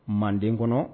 Manden kɔnɔ